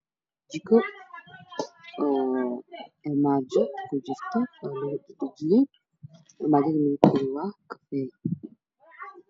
Jiko oo armaajo kujirto armaajada midabkeedu waa kafeey